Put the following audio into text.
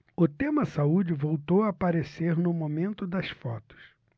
o tema saúde voltou a aparecer no momento das fotos